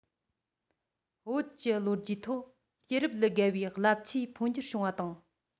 བོད ཀྱི ལོ རྒྱུས ཐོག དུས རབས ལས བརྒལ བའི རླབས ཆེའི འཕོ འགྱུར བྱུང བ དང